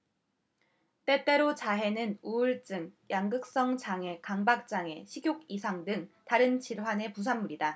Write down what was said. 때때로 자해는 우울증 양극성 장애 강박 장애 식욕 이상 등 다른 질환의 부산물이다